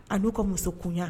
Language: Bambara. A nu ka musokunya.